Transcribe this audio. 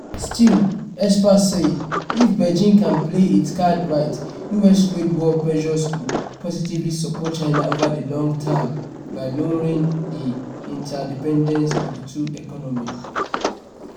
Still, experts say if Beijing can play its cards right, US trade war pressures could positively support China over the long term by lowering the inter-dependence of the two economies.